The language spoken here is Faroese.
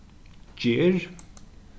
ger